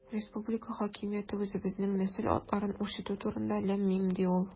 Республика хакимияте үзебезнең нәсел атларын үрчетү турында– ләм-мим, ди ул.